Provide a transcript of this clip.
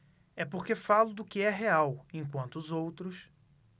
é porque falo do que é real enquanto os outros